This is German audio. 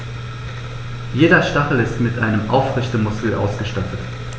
Jeder Stachel ist mit einem Aufrichtemuskel ausgestattet.